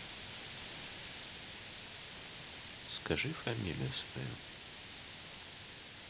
скажи фамилию свою